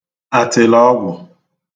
àtị̀lọ̀ọgwụ̀